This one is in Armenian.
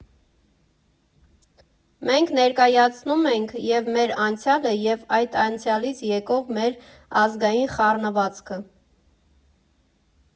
Մենք ներկայացնում ենք և՛ մեր անցյալը, և՛ այդ անցյալից եկող մեր ազգային խառնվածքը։